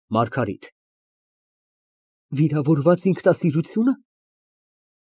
ՄԱՐԳԱՐԻՏ ֊ Վիրավորված ինքնասիրությո՞ւնը։